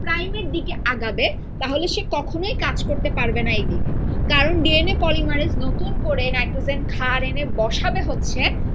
prime এর দিকে আগাবে তাহলে সে কখনোই কাজ করতে পারবে না এদিকে কারণ ডিএনএ পলিমারেজ নতুন করে নাইট্রোজেন ক্ষার এনে বসাবে হচ্ছে